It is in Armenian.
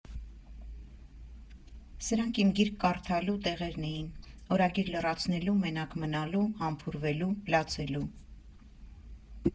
Սրանք իմ գիրք կարդալու տեղերն էին, օրագիր լրացնելու, մենակ մնալու, համբուրվելու, լացելու։